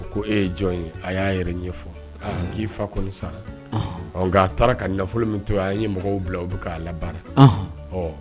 A ko e ye jɔn ye a y'a yɛrɛ n ɲɛ ɲɛfɔ k'i fa kɔni sara nka a taara ka nafolo min to a ye mɔgɔw bila o bɛ k'a lara